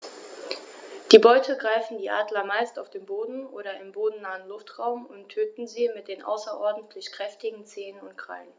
Die Beute greifen die Adler meist auf dem Boden oder im bodennahen Luftraum und töten sie mit den außerordentlich kräftigen Zehen und Krallen.